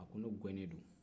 a ko ne gɛnnen do